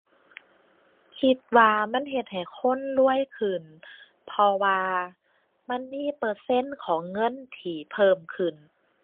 คิดว่ามันเฮ็ดให้คนรวยขึ้น เพราะว่ามันมีเปอร์เซ็นต์ของเงินที่เพิ่มขึ้น